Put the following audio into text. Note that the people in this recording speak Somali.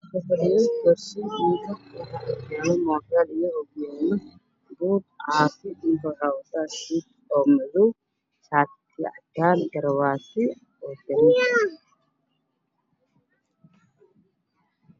Waa xafiis waxaa fadhiya niman waxay wataan suudaan computer iyo warqado ayaa horyaalo